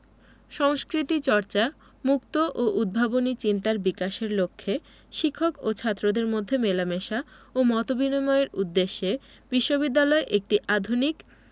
সংস্কৃতিচর্চা মুক্ত ও উদ্ভাবনী চিন্তার বিকাশের লক্ষ্যে শিক্ষক ও ছাত্রদের মধ্যে মেলামেশা ও মত বিনিময়ের উদ্দেশ্যে বিশ্ববিদ্যালয় একটি আধুনিক